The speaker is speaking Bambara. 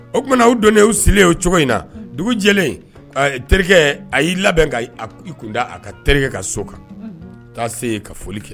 O tumana na' don y' seli o cogo in na dugu jɛ terikɛ a y'i labɛn kunda a ka terikɛ ka so kan' se ka foli kɛ